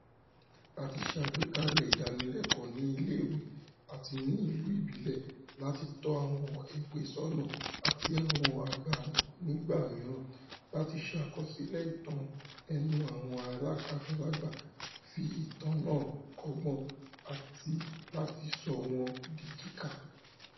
A ti ṣe àgbékalẹ̀ ìdánilẹ́kọ̀ọ́ ní ilé-ìwé àti ní ìlú ìbílẹ̀ láti tọ́ àwọn èwe sọ́nà, àti àwọn àgbà nígbà mìíràn, láti ṣe àkọsílẹ̀ ìtàn ẹnu àwọn àgbàlagbà, fi ìtàn náà kọ́gbọ́n, àti láti sọ wọ́n di kíkà.